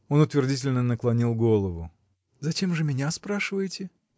Он утвердительно наклонил голову. — Зачем же меня спрашиваете?